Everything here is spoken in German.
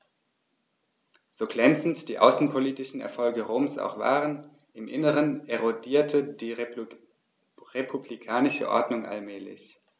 So glänzend die außenpolitischen Erfolge Roms auch waren: Im Inneren erodierte die republikanische Ordnung allmählich.